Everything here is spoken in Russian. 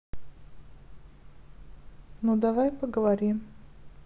ну давай поговорим